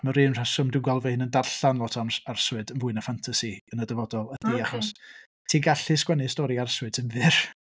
Am yr un rheswm dwi'n gweld fy hun yn darllen lot o ams- arswyd yn fwy na ffantasi yn y dyfodol ydy... ocê. ...achos ti'n gallu sgwennu stori arswyd sy'n fyr .